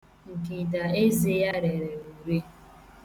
Ngịda eze ya rere ure.